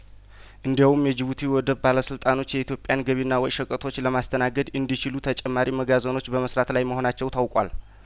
እንዲያውም የጂቡቲ ወደብ ባለስልጣኖች የኢትዮጵያን ገቢና ወጭ ሸቀጦች ለማስተናገድ እንዲችሉ ተጨማሪ መጋዘኖች በመስራት ላይ መሆናቸው ታውቋል